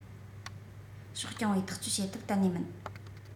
ཕྱོགས རྐྱང པས ཐག གཅོད བྱེད ཐུབ གཏན ནས མིན